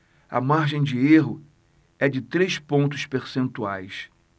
a margem de erro é de três pontos percentuais